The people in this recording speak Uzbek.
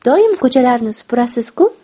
doim ko'chalarni suparasiz ku